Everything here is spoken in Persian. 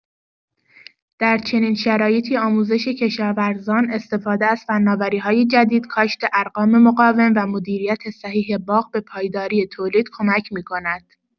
در چنین شرایطی آموزش کشاورزان، استفاده از فناوری‌های جدید، کاشت ارقام مقاوم و مدیریت صحیح باغ به پایداری تولید کمک می‌کند.